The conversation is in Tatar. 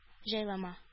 Җайланма